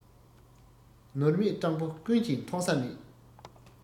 ནོར མེད སྤྲང བོ ཀུན གྱིས མཐོང ས མེད